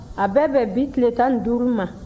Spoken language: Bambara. a bɛ bɛn bi tile tan ni duuru ma